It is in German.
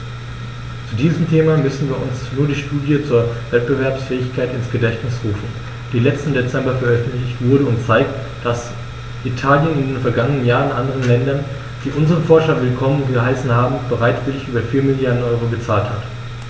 Zu diesem Thema müssen wir uns nur die Studie zur Wettbewerbsfähigkeit ins Gedächtnis rufen, die letzten Dezember veröffentlicht wurde und zeigt, dass Italien in den vergangenen Jahren anderen Ländern, die unsere Forscher willkommen geheißen haben, bereitwillig über 4 Mrd. EUR gezahlt hat.